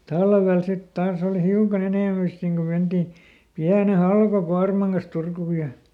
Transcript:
talvella sitten taas oli hiukan enemmän sitten niin kuin mentiin pienen halkokuorman kanssa Turkuun ja